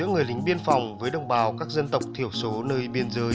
những người lính biên phòng với đồng bào các dân tộc thiểu số nơi biên giới